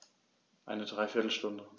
Eine dreiviertel Stunde